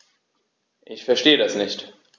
Ich verstehe das nicht.